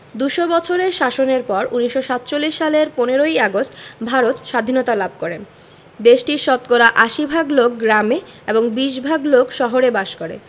দু'শ বছরের শাসনের পর ১৯৪৭ সালের ১৫ ই আগস্ট ভারত সাধীনতা লাভ করেদেশটির শতকরা ৮০ ভাগ লোক গ্রামে এবং ২০ ভাগ লোক শহরে বাস করে